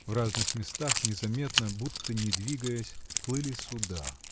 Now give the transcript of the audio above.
В разных местах, незаметно, будто не двигаясь, плыли суда.